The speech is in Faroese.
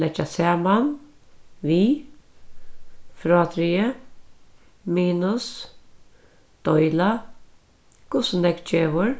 leggja saman við frádrigið minus deila hvussu nógv gevur